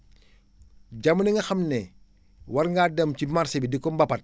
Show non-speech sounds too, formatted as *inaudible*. *breath* jamono yi nga xam ne war ngaa dem ci marché bi di ko mbapat